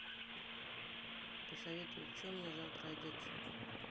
посоветуй в чем мне завтра одеться